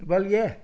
Wel ie.